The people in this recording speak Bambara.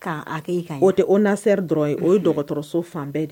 K'a a kɛ ka ɲɛ, o tɛ ONASR dɔrɔn ye, o ye dɔgɔtɔrɔso fan bɛɛ de